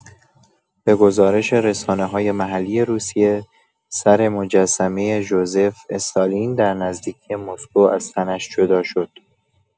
به گزارش رسانه‌های محلی روسیه، سر مجسمه ژوزف استالین در نزدیکی مسکو از تنش جدا شد.